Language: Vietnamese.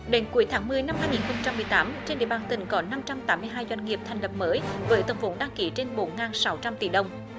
đến cuối tháng mười năm hai nghìn không trăm mười tám trên địa bàn tỉnh có năm trăm tám mươi hai doanh nghiệp thành lập mới với tổng vốn đăng ký trên bốn ngàn sáu trăm tỷ đồng